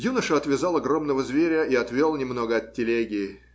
Юноша отвязал огромного зверя и отвел немного от телеги.